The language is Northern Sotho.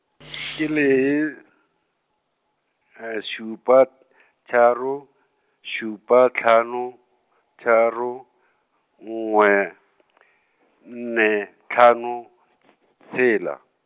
ke lee, šupa , tharo, šupa hlano, tharo, nngwe , nne, hlano , tshela.